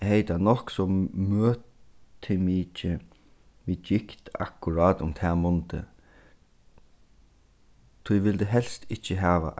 eg hevði tað nokk so møtimikið við gikt akkurát um tað mundið tí vildi helst ikki hava